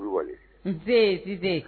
Kulubali nzz